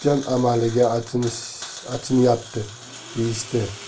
qo'ldan ketgan amaliga achinyapti deyishdi